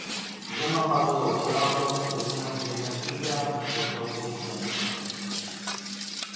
이것만 봐도 제왕적 대통령제는 실패한 것이라고 주장했다